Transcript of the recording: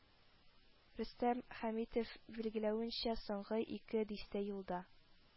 Рөстәм Хәмитов билгеләвенчә, соңгы ике дистә елда,